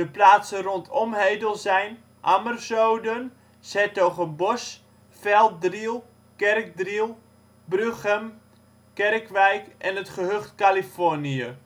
plaatsen rondom Hedel zijn: Ammerzoden; ' s-Hertogenbosch; Velddriel; Kerkdriel; Bruchem; Kerkwijk; en het gehucht Californië